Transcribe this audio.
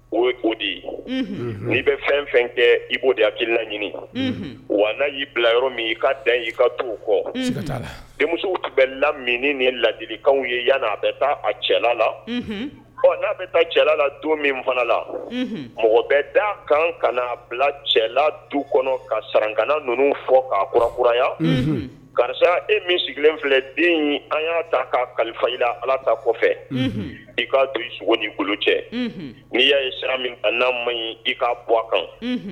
O o de n'i bɛ fɛn fɛn kɛ i'o hakili laɲini wa y'i bila yɔrɔ min i ka den i ka tu kɔ denmuso tun bɛ laini ni ladilikanw ye yanana a bɛ taa a cɛlala la ɔ n'a bɛ taa cɛla la don min fana la mɔgɔ bɛ d da a kan kaa bila cɛlala du kɔnɔ ka san kana ninnu fɔ k'a kura kuraya karisa e min sigilen filɛ den an y'a ta k'a kalifala alata kɔfɛ i ka to i sogo ni cɛ n'i y'a ye siran'a man ɲi i ka bu bɔkan